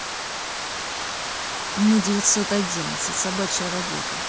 на девятьсот одиннадцать собачья работа